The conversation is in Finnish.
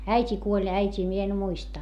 äiti kuoli äitiä minä en muista